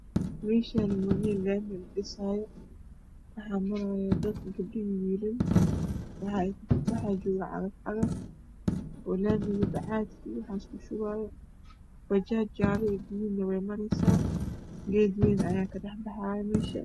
Meeshaan waa meel laami oo la dhisaayo waxaa maraayo dad gabdho iyo wiilal waxaa jooga cagaf cagaf oo laamiga bacaadka waxaas ku shubaayo bajaaj jaale iyo guduudna way mareysaa geed wayn ayaa ka dhex baxayo meesha